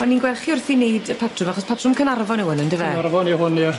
O'n i'n gwel' chi wrthi'n neud y patrwm achos patrwm Canarfon yw 'wn yndyfe? Canarfon yw hwn ie.